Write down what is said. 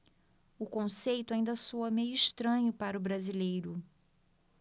o conceito ainda soa meio estranho para o brasileiro